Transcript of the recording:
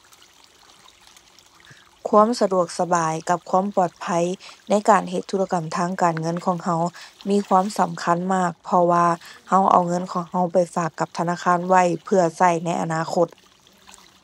ความสะดวกสบายกับความปลอดภัยในการเฮ็ดธุรกรรมทางการเงินของเรา มีความสำคัญมาก เพราะว่าเราเอาเงินของเราไปฝากกับธนาคารไว้ เพื่อเราในอนาคต